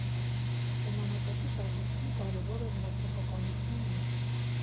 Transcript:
Ժամանակակից արվեստում կարևորը հեղափոխականությունն է։